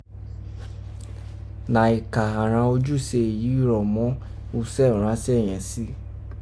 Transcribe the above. nàì ka àghan ojuse èyí ho mo usẹ́ iranse yẹ̀n si.